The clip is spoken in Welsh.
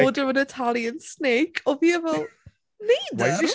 ...order an Italian snake oedd fi fel "neidr?"